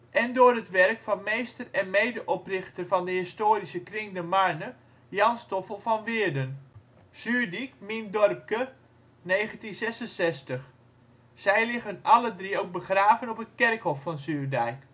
en door het werk van meester en mede-oprichter van de Historische kring de Marne Jan Stoffel van Weerden (Zuurdiek mien Dorpke, 1966). Zij liggen alle drie ook begraven op het kerkhof van Zuurdijk